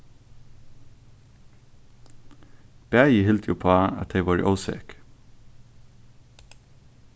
bæði hildu uppá at tey vóru ósek